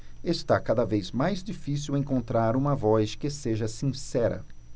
está cada vez mais difícil encontrar uma voz que seja sincera